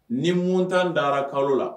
Ni mun tan dara kalo la